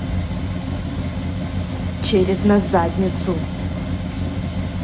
через на задницу